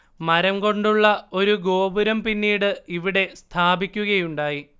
മരം കൊണ്ടുള്ള ഒരു ഗോപുരം പിന്നീട് ഇവിടെ സ്ഥാപിക്കുകയുണ്ടായി